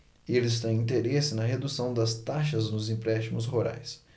eles têm interesse na redução das taxas nos empréstimos rurais